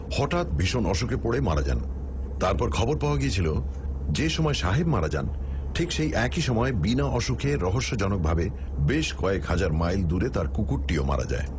হঠাৎ ভীষণ অসুখে পড়ে মারা যান তারপরে খবর পাওয়া গিয়েছিল যে যে সময় সাহেব মারা যান ঠিক সেই একই সময় বিনা অসুখে রহস্যজনকভাবে বেশ কয়েক হাজার মাইল দূরে তার কুকুরটিও মারা যায়